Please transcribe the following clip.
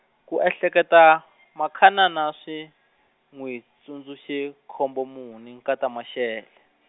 ku ehleketa, Makhanani swi, n'wi tsundzuxe, Khombomuni nkata Mashele.